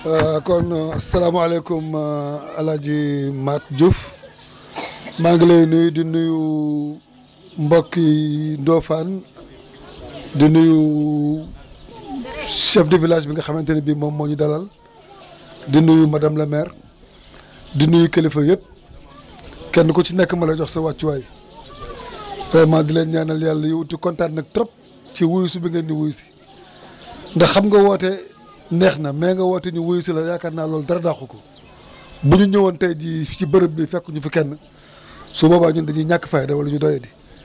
kon asalaamaaleykum El hadj Mate Diouf maa ngi lay nuyu di nuyu mbokki Ndofane di nuyu chef de village bi nga xamante ne bi moom moo ñu dalal di nuyu madame le maire di nuyu kilifa yëpp kenn ku ci nekk ma lay jox sa wàccuwaay vraiment di leen ñaanal yàlla yiiw di kontaan nag trop ci wuyu si bi ngeen ñu wuyu si ndax xam nga woote neex na mais nga woote ñu wuyu si la yaakaar naa loolu dara dàqu ko bu ñu ñëwoon tey jii si béréb bii fekkuñu fi kenn su boobaa ñun dañuy ñàkk fayda wala ñu doyadi